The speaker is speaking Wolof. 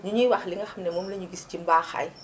ñu ñuy wax li nga xam ni moom la ñu gis ci mbaaxaay